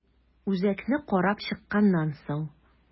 Үзәкне карап чыкканнан соң.